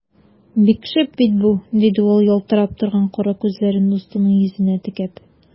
Бик шәп бит бу! - диде ул, ялтырап торган кара күзләрен дустының йөзенә текәп.